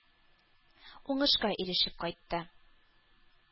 Уңышка ирешеп кайтты.